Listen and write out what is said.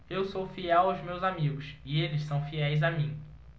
eu sou fiel aos meus amigos e eles são fiéis a mim